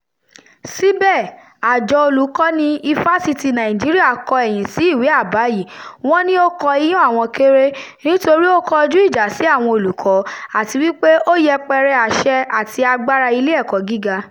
Síbẹ̀, Àjọ Olùkọ́ni Ifásitìi Nàìjíríà kọ ẹ̀yìn sí ìwé àbá yìí, wọ́n ní ó kọ iyán àwọn kéré, nítorí ó kọjú ìjà sí àwọn olùkọ́ àti wípé ó yẹpẹrẹ àṣẹ àti agbára ilé ẹ̀kọ́ gíga.